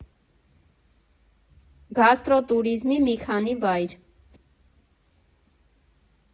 Գաստրո տուրիզմի մի քանի վայր։